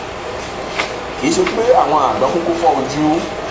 Kìíṣe pé àwọn àdán kúkú fọ́ ojú